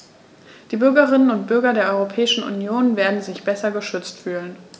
Die Bürgerinnen und Bürger der Europäischen Union werden sich besser geschützt fühlen.